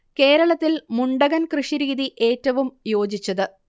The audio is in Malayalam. കേരളത്തിൽ മുണ്ടകൻ കൃഷി രീതി ഏറ്റവും യോജിച്ചത്